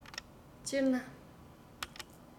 སྤྱིར ན